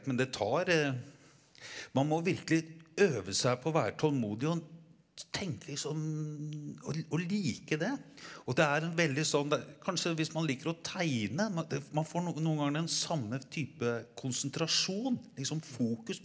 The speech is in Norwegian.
men det tar man må virkelig øve seg på å være tålmodig og tenke litt sånn og og like det og det er en veldig sånn det kanskje hvis man liker å tegne man får noen ganger den samme type konsentrasjon liksom fokus.